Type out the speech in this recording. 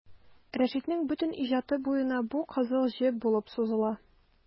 Рәшитнең бөтен иҗаты буена бу кызыл җеп булып сузыла.